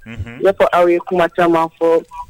Unhun, ne ko aw ye kuma caman fɔ.